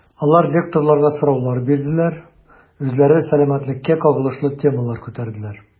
Алар лекторларга сораулар бирделәр, үзләре сәламәтлеккә кагылышлы темалар күтәрделәр.